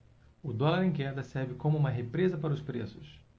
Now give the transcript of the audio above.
o dólar em queda serve como uma represa para os preços